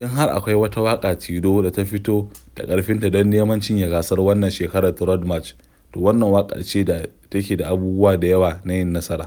In har akwai wata waƙa tilo da ta fito da ƙarfinta don neman cinye gasar wannan shekarar ta Road March, to wannan waƙar ce da take da abubuwa d yawa na yin nasara: